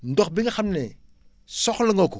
ndox bi nga xam ne soxla nga ko